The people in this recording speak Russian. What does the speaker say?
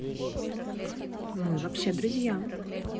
мы вообще друзья